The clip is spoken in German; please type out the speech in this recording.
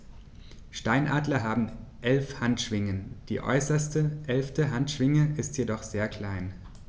Steinadler haben 11 Handschwingen, die äußerste (11.) Handschwinge ist jedoch sehr klein.